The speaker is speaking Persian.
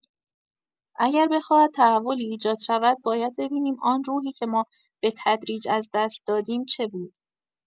اگر بخواهد تحولی ایجاد شود باید ببینیم آن روحی که ما به‌تدریج از دست دادیم، چه بود.